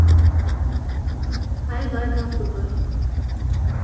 heilar kaffibønur